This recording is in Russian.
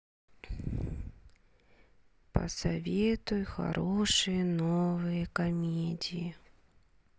посоветуй хорошие новые комедии